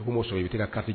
Dugu' sɔrɔ i kasi